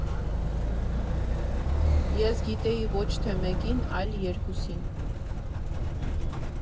Ես գիտեի ոչ թե մեկին, այլ երկուսին.